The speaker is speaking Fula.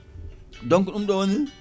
donc ɗum ɗo woni